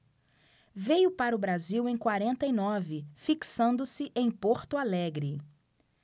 veio para o brasil em quarenta e nove fixando-se em porto alegre